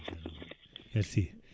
ajarama merci